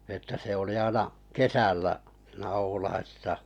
että se oli aina kesällä siinä Oulaisissa